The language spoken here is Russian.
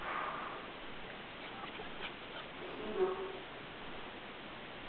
сибилл